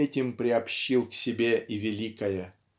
этим приобщил к себе и великое.